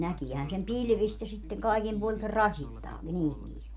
näkeehän sen pilvistä ja sitten kaikin puolin se rasittaa ihmistä